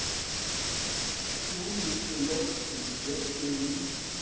слушать лед зеппелин